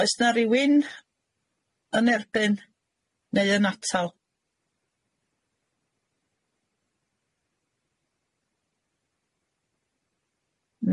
Oes 'na rywun yn erbyn neu yn atal?